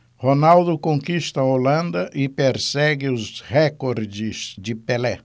ronaldo conquista a holanda e persegue os recordes de pelé